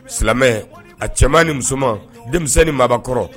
Silamɛ a cɛman ni musoman denmisɛnnin ni mabɔkɔrɔ